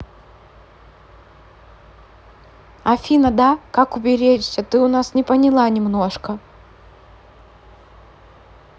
афина да как уберечься ты у нас не поняла немножко